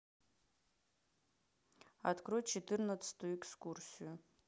открой четырнадцатую экскурсию